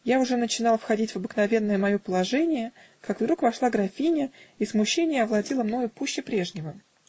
я уже начинал входить в обыкновенное мое положение, как вдруг вошла графиня, и смущение овладело мною пуще прежнего.